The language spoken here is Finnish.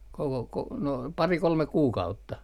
koko - no pari kolme kuukautta